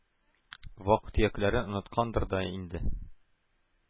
Вак-төякләрен оныткандыр да инде: